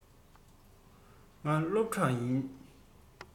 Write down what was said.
ང སློབ ཕྲག ཡིན